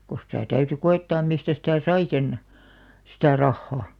kun sitä täytyi koettaa mistä sitä sai sen sitä rahaa